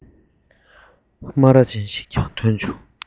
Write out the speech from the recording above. སྨ ར ཅན ཞིག ཀྱང ཐོན བྱུང